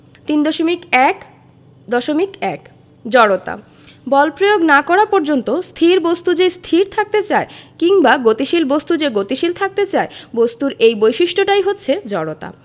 3.1.1 জড়তা বল প্রয়োগ না করা পর্যন্ত স্থির বস্তু যে স্থির থাকতে চায় কিংবা গতিশীল বস্তু যে গতিশীল থাকতে চায় বস্তুর এই বৈশিষ্ট্যটাই হচ্ছে জড়তা